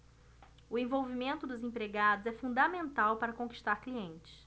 o envolvimento dos empregados é fundamental para conquistar clientes